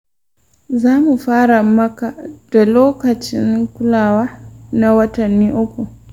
za mu fara maka da lokacin kulawa na watanni uku.